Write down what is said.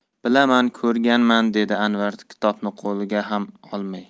bilaman ko'rganman dedi anvar kitobni qo'lga ham olmay